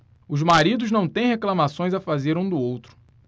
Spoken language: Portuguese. os maridos não têm reclamações a fazer um do outro